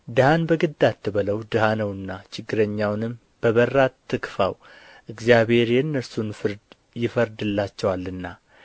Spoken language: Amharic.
ድሀን በግድ አትበለው ድሀ ነውና ችግረኛውንም በበር አትግፋው እግዚአብሔር የእነርሱን ፍርድ ይፋረድላቸዋልና